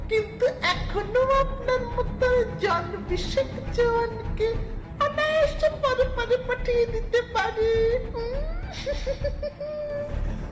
কিন্তু এখনো আপনার মত জন বিশেক জন কে অনায়াসে পরপারে পাঠিয়ে দিতে পারে